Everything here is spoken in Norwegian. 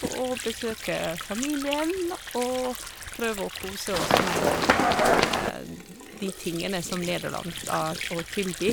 Og besøke familien, og prøve å kose oss med de tingene som Nederland s har å tilby.